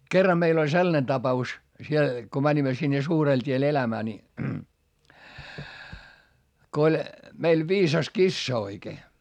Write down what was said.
kerran meillä oli sellainen tapaus siellä kun menimme sinne suurelle tielle elämään niin kun oli meillä viisas kissa oikein